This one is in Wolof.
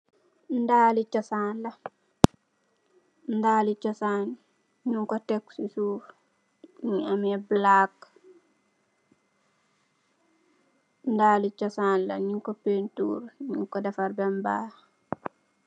Ndaali chosan la ndaali chosan nyun ko teck si suuf mogi ameh lu black ndaali chosan la nyu ko painturr nyun ko defar beem bahk.